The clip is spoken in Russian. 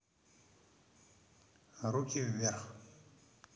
руки вверх